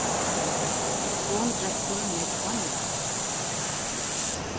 hon drekkur nógva mjólk